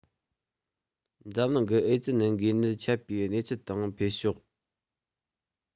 འཛམ གླིང གི ཨེ ཙི འགོས ནད ཁྱབ པའི གནས ཚུལ དང འཕེལ ཕྱོགས